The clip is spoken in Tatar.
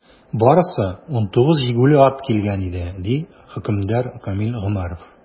Барысы 19 җигүле ат килгән иде, - ди хөкемдар Камил Гомәров.